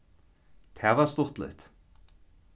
tað var stuttligt